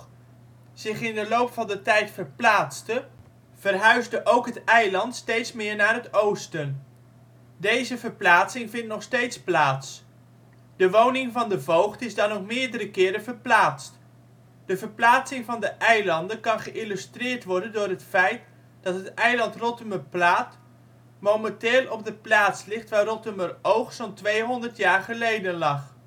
zich in de loop van de tijd verplaatste, verhuisde ook het eiland steeds meer naar het oosten. Deze verplaatsing vindt nog steeds plaats. De woning van de voogd is dan ook meerdere keren verplaatst. De verplaatsing van de eilanden kan geïllustreerd worden door het feit dat het eiland Rottumerplaat momenteel ongeveer op de plaats ligt waar Rottumeroog zo 'n tweehonderd jaar geleden lag